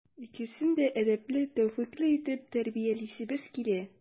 Икесен дә әдәпле, тәүфыйклы итеп тәрбиялисебез килә.